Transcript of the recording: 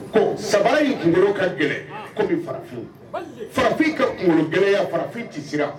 Ko sabara in kunkolo ka gɛlɛn komi farafin , farafin ka kunkolo gɛlɛya; farafin tɛ siran!